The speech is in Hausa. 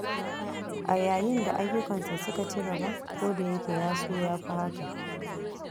A yayin da ayyukansa suka ci gaba, kodayake ya so ya fi haka.